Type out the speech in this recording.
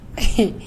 Un